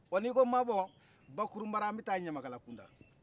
wa ni ko mabɔ barukuruba la an bɛ taa ɲamakalala